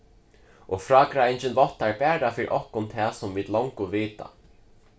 og frágreiðingin váttar bara fyri okkum tað sum vit longu vita